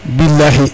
bilahi